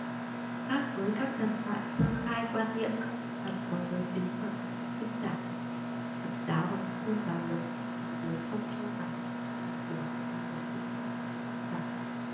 khác với các thần thoại sơ khai quan niệm các vị thần có giới tính và có sự sinh sản phật giáo và các tôn giáo lớn trên thế giới không cho rằng thần của họ có giới tính và sự sinh sản